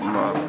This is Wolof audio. waaw